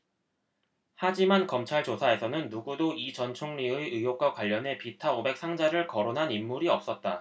하지만 검찰 조사에서는 누구도 이 전 총리의 의혹과 관련해 비타 오백 상자를 거론한 인물이 없었다